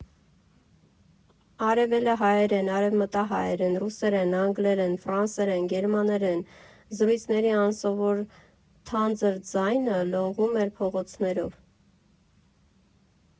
Արևելահայերեն, արևմտահայերեն, ռուսերեն, անգլերեն, ֆրանսերեն, գերմաներեն զրույցների անսովոր թանձր ձայնը լողում էր փողոցներով։